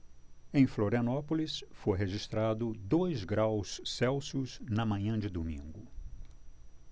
em florianópolis foi registrado dois graus celsius na manhã de domingo